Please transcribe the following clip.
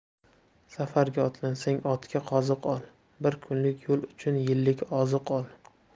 safaiga otlansang otga qoziq ol bir kunlik yo'l uchun yillik oziq ol